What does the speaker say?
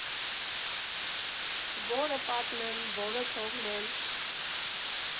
Ո՞րը պատմեմ, ո՞րը թողնեմ.